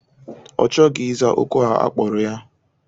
Ọ chọghị ịza oku a akpọrọ ya.